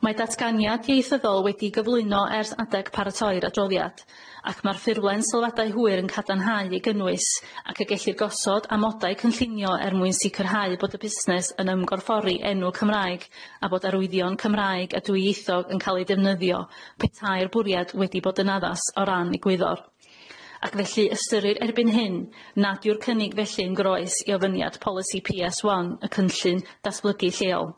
Mae datganiad ieithyddol wedi'i gyflwyno ers adeg paratoi'r adroddiad ac ma'r ffurflen sylfadau hwyr yn cadarnhau ei gynnwys ac y gellir gosod amodau cynllunio er mwyn sicrhau bod y busnes yn ymgorffori enw Cymraeg a bod arwyddion Cymraeg a dwyieithog yn ca'l ei defnyddio petai'r bwriad wedi bod yn addas o ran egwyddor ac felly ystyrir erbyn hyn nad yw'r cynnig felly'n groes i ofyniad polisi Pee Ess One y cynllun datblygu lleol.